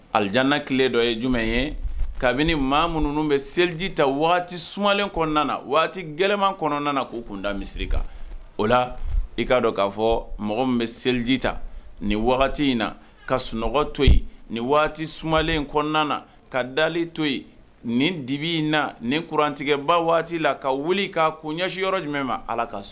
Aliana dɔ ye jumɛn kabini maa minnu bɛ seliji ta sulen kɔnɔna waati gman kɔnɔna ko kunda misisiri kan o la i kaa dɔn k'a fɔ mɔgɔ min bɛ seliji ta ni wagati in na ka sunɔgɔ to yen ni waati sulen kɔnɔna na ka da to yen nin dibi in na ni kurantigɛba waati la ka wuli ka ko ɲɛsi yɔrɔ jumɛn ma ala ka so